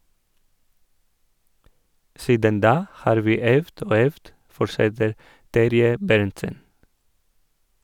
- Siden da har vi øvd og øvd, fortsetter Terje Berntsen.